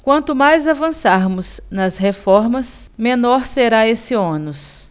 quanto mais avançarmos nas reformas menor será esse ônus